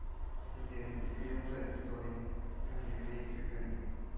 Әйе, ике ел да ике ай һәм егерме ике көн